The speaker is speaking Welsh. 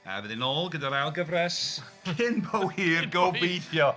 a fyddwn ni ôl gyda'r ailgyfres cyn bo hir gobeithio.